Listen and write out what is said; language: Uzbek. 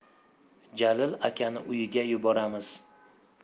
jalil akani uyiga yuboramiz